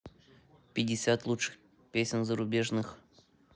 пятьдесят лучших песен зарубежных